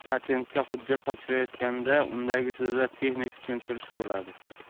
patentga hujjat topshirilayotganda undagi so'zlar texnik tushuntirish bo'ladi